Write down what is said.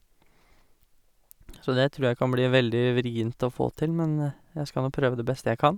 Så det tror jeg kan bli veldig vrient å få til, men jeg skal nå prøve det beste jeg kan.